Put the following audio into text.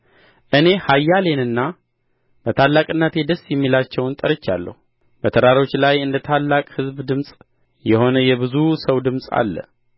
እኔ ኃያላኔንና በታላቅነቴ ደስ የሚላቸውን ጠርቻለሁ በተራሮች ላይ እንደ ታላቅ ሕዝብ ድምፅ የሆነ የብዙ ሰው ድምፅ አለ